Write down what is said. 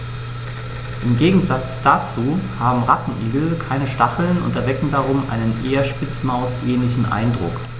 Im Gegensatz dazu haben Rattenigel keine Stacheln und erwecken darum einen eher Spitzmaus-ähnlichen Eindruck.